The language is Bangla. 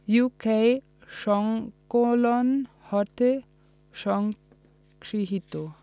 উইকিসংকলন হতে সংগৃহীত